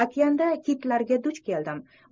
okeanda kitlarga duch keldim